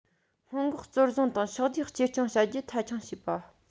སྔོན འགོག གཙོར བཟུང དང ཕྱོགས བསྡུས བཅོས སྐྱོང བྱ རྒྱུ མཐའ འཁྱོངས བྱེད པ